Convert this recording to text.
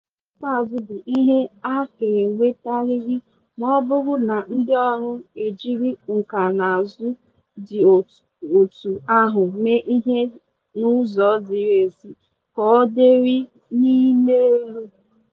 Uru ọ bara n'ikpeazụ bụ ihe a ga-enwetarịrị ma ọ bụrụ na ndị ọrụ e jiri nkànaụzụ dị otú ahụ mee ihe n'ụzọ ziri ezi," ka o dere n'imeelụ.